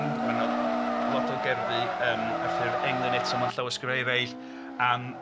Mae 'na lot o gerddi yym ar ffurf englyn eto mewn llawysgrifau eraill am...